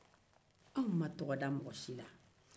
anw ma tɔgɔ da mɔgɔ si la